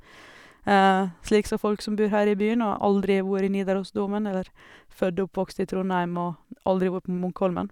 Slik som folk som bor her i byen og har aldri vore i Nidarosdomen, eller født og oppvokst i Trondheim og aldri vore på Munkholmen.